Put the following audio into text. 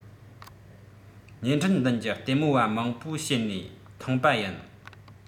བརྙན འཕྲིན མདུན གྱི ལྟད མོ བ མང པོ བཤད ནས མཐོང པ ཡིན